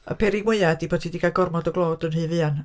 Y peryg mwyaf ydy bod hi 'di cael gormod o glod yn rhy fuan.